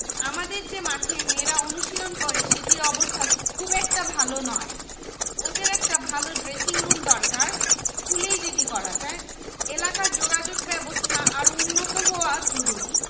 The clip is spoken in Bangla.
আমাদের যে মাঠে মেয়েরা অনুশীলন করে সেটির অবস্থা খুব একটা ভালো নয় ওদের একটা ভালো ড্রেসিংরুম দরকার স্কুলেই যেটি করা যায় এলাকার যোগাযোগব্যবস্থা আরও উন্নত হওয়া জরুরি